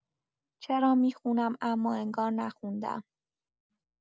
چرا می‌خونم اما انگار نخوندم